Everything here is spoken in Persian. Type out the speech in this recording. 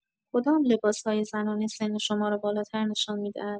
کدام لباس‌های زنانه سن شما را بالاتر نشان می‌دهد؟!